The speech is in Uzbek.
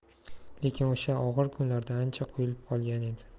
lekin o'sha og'ir kunlarda ancha quyilib qolgan edi